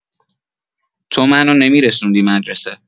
تو منو نمی‌رسوندی مدرسه.